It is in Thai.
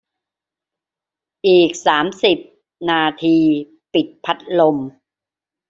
อีกสามสิบนาทีปิดพัดลม